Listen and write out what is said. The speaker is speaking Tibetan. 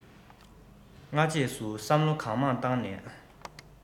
སྔ རྗེས སུ བསམ བློ གང མང བཏང ནས